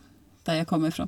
Der jeg kommer ifra.